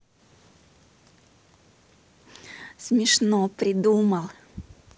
смешно придумал